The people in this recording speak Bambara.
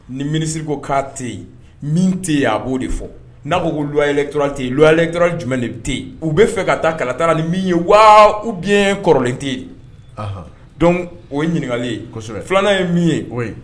Ni minisiririko' tɛ yen min tɛ yen a b'o de fɔ n'a kolyɛlɛ tora tɛ yenlɛlɛ jumɛnlen yen u bɛa fɛ ka taa kalata ni min ye wa u bi kɔrɔlen tɛ o ye ɲininkakalen kosɛbɛ filanan ye min ye o ye